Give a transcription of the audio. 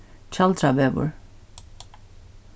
tjaldravegur